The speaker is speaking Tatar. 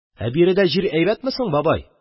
– ә биредә җир әйбәтме соң, бабай?